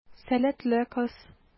Сәләтле кыз.